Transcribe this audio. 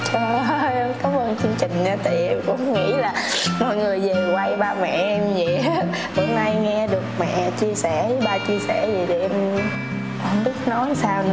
trời ơi em cám ơn chương trình tại vì em cũng không nghĩ là mọi người về quay ba mẹ em như vậy á cũng may nghe được mẹ chia sẻ với ba chia sẻ dậy thì em hổng biết nói làm sao nữa